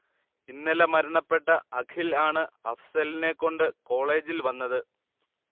ഇന്നലെ മരണപ്പെട്ട അഖിൽ ആണ് അഫ്സലിനെ കൊണ്ട് കോളേജിൽ വന്നത്